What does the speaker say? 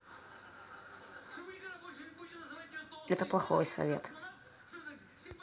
это плохой совет